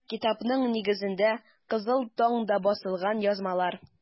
Китапның нигезендә - “Кызыл таң”да басылган язмалар.